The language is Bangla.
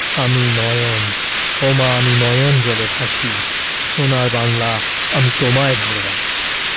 আমি নয়ন ওমা আমি নয়ন জলে ভাসি সোনার বাংলা আমি তোমায় ভালবাসি